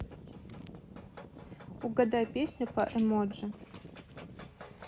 угадай песню по эмоджи